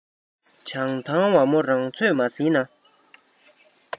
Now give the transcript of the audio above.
བྱང ཐང ཝ མོ རང ཚོད མ ཟིན ན